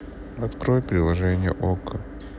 открой приложение окко